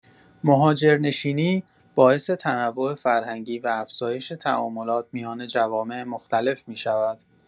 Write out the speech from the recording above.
مهاجرنشینی باعث تنوع فرهنگی و افزایش تعاملات میان جوامع مختلف می‌شود.